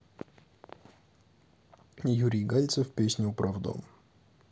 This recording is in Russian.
юрий гальцев песня управдом